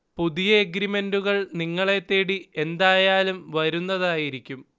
പുതിയ എഗ്രീമെന്റുകള്‍ നിങ്ങളെ തേടി എന്തായാലും വരുന്നതായിരിക്കും